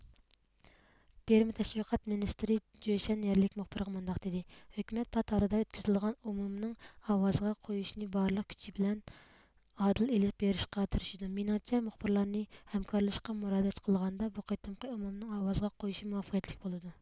بىرما تەشۋىقات مىنىستىرى جۆشەن يەرلىك مۇخبىرغا مۇنداق دېدى ھۆكۈمەت پات ئارىدا ئۆتكۈزۈلىدىغان ئومۇمنىڭ ئاۋازىغا قويۇشىنى بارلىق كۈچى بىلەن ئادىل ئېلىپ بېرىشقا تىرىشىدۇ مېنىڭچە مۇخبىرلارنى ھەمكارلىشىشقا مۇراجىئەت قىلغاندا بۇ قېتىمقى ئومۇمنىڭ ئاۋازىغا قويۇشى مۇۋەپپەقىيەتلىك بولىدۇ